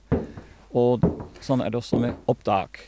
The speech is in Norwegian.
Og d sånn er det også med opptak.